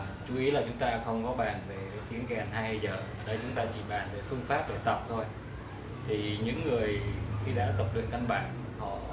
chú ý là chúng ta không bàn về tiếng kèn hay hay dở ở đây chúng ta chỉ bàn về phương pháp học rung những người được học hành căn bản họ